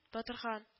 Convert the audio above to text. Батырхан